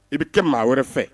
I bɛ kɛ maa wɛrɛ fɛ